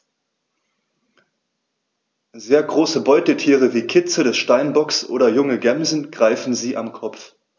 Sehr große Beutetiere wie Kitze des Steinbocks oder junge Gämsen greifen sie am Kopf.